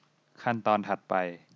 ขั้นตอนถัดไป